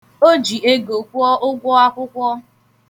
O ji ego kwuọ ụgwọ akwụkwọ.